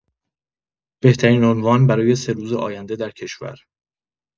بهترین عنوان برای سه روز آینده در کشور